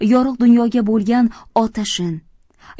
yorug' dunyoga bo'lgan otashin